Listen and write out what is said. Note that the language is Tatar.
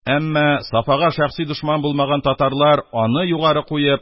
Әмма сафага шәхси дошман булмаган татарлар аны югары куеп,